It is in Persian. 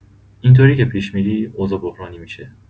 اینطوری که پیش می‌ری، اوضاع بحرانی می‌شه!